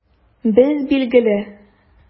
Без, билгеле!